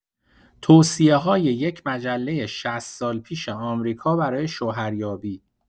توصیه‌های یک مجله ۶۰ سال پیش آمریکا برای شوهریابی.